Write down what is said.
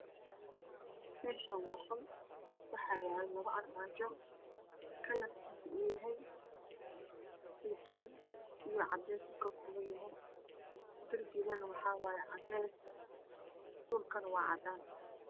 Meshan waa qol waxa yalo labo armajo kalar kiisu yahay saytuun iyo cadeysa kakoban yahay dar bigana waxa wayo cadeys dhulkana wa cadeysa